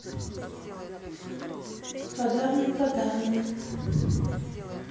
подам подам